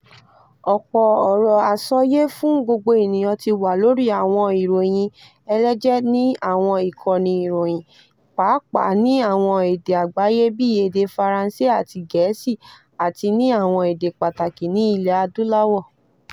Ọ̀pọ̀ ọ̀rọ̀ àsọyé fún gbogbo ènìyàn ti wà lórí àwọn ìròyìn ẹlẹ́jẹ̀ ní àwọn ìkànnì ìròyìn, pàápàá ni àwọn èdè àgbáyé bíi èdè Faransé àti Gẹ̀ẹ́sì, àti ní àwọn èdè pàtàkì ní Ilẹ̀ Adúláwò.